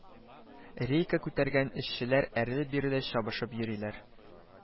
Рейка күтәргән эшчеләр әрле-бирле чабышып йөриләр